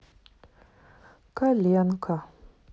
коленка